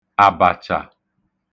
àbàchà